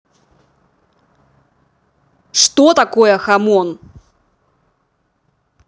что такое хамон